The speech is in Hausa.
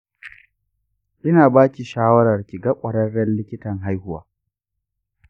ina baki shawarar ki ga ƙwararren likitan haihuwa.